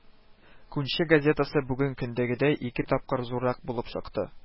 «күнче» газетасы бүген көндәгедәй ике тапкыр зуррак булып чыкты